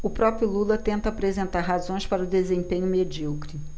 o próprio lula tenta apresentar razões para o desempenho medíocre